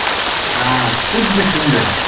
ha xuddi shunday